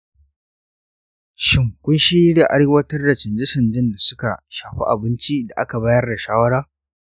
shin kun shirya aiwatar da canje-canjen da su ka shafi abinci da aka bayar da shawara?